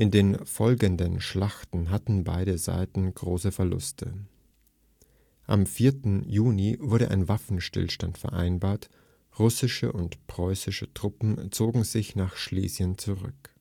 den folgenden Schlachten hatten beide Seiten große Verluste. Am 4. Juni wurde ein Waffenstillstand vereinbart, russische und preußische Truppen zogen sich nach Schlesien zurück